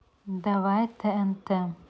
давай тнт